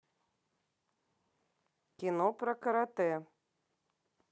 кино про карате